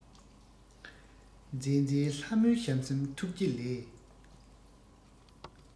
མཛེས མཛེས ལྷ མོའི བྱམས སེམས ཐུགས རྗེ ལས